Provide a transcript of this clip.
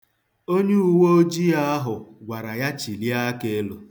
Onye uweojii ahụ gwara ya chịlie aka elu.